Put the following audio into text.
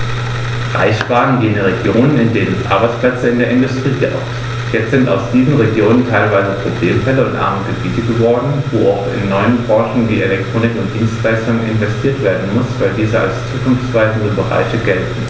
Reich waren jene Regionen, in denen es Arbeitsplätze in der Industrie gab. Jetzt sind aus diesen Regionen teilweise Problemfälle und arme Gebiete geworden, wo auch in neue Branchen wie Elektronik und Dienstleistungen investiert werden muss, weil diese als zukunftsweisende Bereiche gelten.